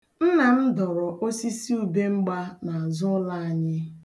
Nna m dọrọ osisi ubemgba n'azụụlọ anyị.